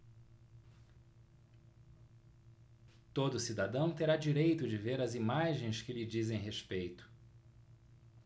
todo cidadão terá direito de ver as imagens que lhe dizem respeito